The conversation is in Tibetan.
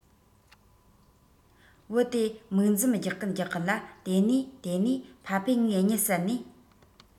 བུ དེས མིག འཛུམ རྒྱག གིན རྒྱག གིན ལ དེ ནས དེ ནས པ ཕས ངའི གཉིད བསད ནས